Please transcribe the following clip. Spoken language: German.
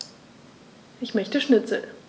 Ich möchte Schnitzel.